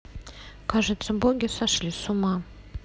кажется боги сошли с ума